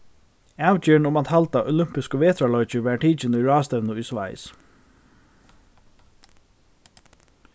avgerðin um at halda olympiskir vetrarleikir varð tikin á ráðstevnu í sveis